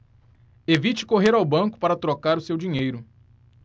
evite correr ao banco para trocar o seu dinheiro